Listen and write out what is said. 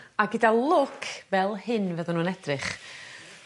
A gyda lwc fel hyn fydden nw'n edrych